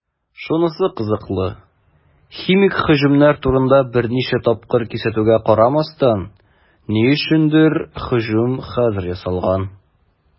Шунысы кызыклы, химик һөҗүмнәр турында берничә тапкыр кисәтүгә карамастан, ни өчендер һөҗүм хәзер ясалган.